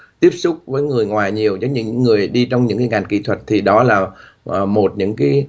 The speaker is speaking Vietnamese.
tiếp xúc với người ngoài nhiều với những người đi trong những cái ngành kỹ thuật thì đó là một những cái